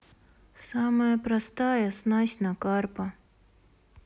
самая простая снасть на карпа